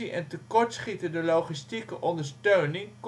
en tekortschietende logistieke ondersteuning